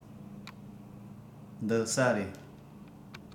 འདི ཟྭ རེད